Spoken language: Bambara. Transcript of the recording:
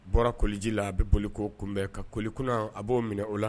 Bɔra koliji la, a bɛ boli ka t'o kunbɛ ka koli kunnan a b'o minɛ o la